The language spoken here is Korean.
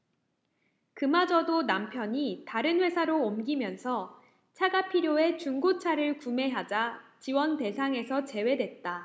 그마저도 남편이 다른 회사로 옮기면서 차가 필요해 중고차를 구매하자 지원대상에서 제외됐다